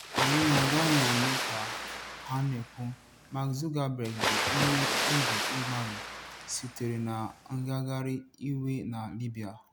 Anyị agaghị anụ ka ha na-ekwu: "Mark Zuckerberg bụ onye ndu mgbanwe sitere na ngaghari iwe na Libya"